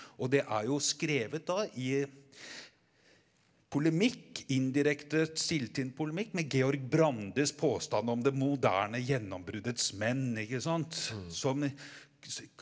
og det er jo skrevet da i polemikk indirekte stilt inn polemikk med Georg Brandes påstand om det moderne gjennombruddets menn ikke sant som.